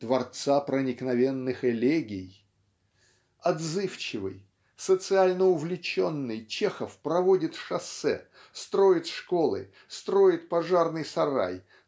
творца проникновенных элегий. Отзывчивый социально увлеченный Чехов проводит шоссе строит школы строит пожарный сарай